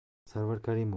sarvar karimov